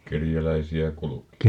kerjäläisiä kulki